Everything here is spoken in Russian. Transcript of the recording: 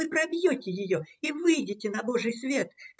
Вы пробьете ее и выйдете на Божий свет.